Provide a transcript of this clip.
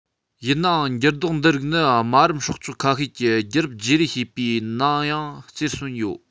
ཡིན ནའང འགྱུར ལྡོག འདི རིགས ནི དམའ རིམ སྲོག ཆགས ཁ ཤས ཀྱི རྒྱུད རབས བརྗེ རེས ཞེས པའི ནང ཡང རྩེར སོན ཡོད